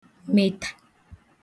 mị̀tà